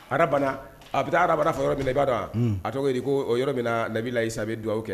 Ha a bɛ taabara faga yɔrɔ mina i b'a dɔn a tɔgɔ ko yɔrɔ mina nabilayisabi dugawu kɛ